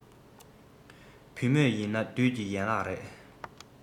བུད མེད ཡིན ན བདུད ཀྱི ཡན ལག རེད